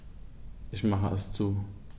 Ich mache es zu.